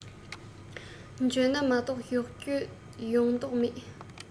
བྱོན ན མ གཏོགས བཞུགས རྒྱུ ཡོང གཏོགས མེད